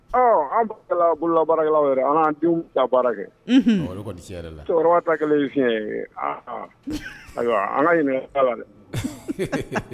Ɔ an bolola baara an denw ka baara kɛ kelen fi aa ayiwa an ka la dɛ